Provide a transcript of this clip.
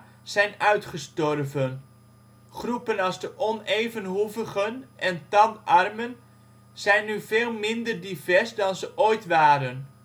zijn uitgestorven. Groepen als de onevenhoevigen en tandarmen zijn nu veel minder divers dan ze ooit waren